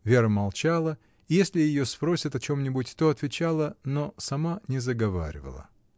Вера молчала, и если ее спросят о чем-нибудь, то отвечала, но сама не заговаривала.